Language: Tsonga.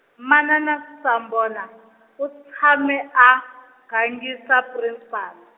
manana Sombana, u tshame a, gangisa prinsipala.